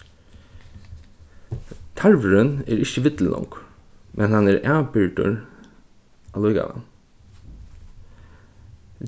tarvurin er ikki villur longur men hann er avbyrgdur allíkavæl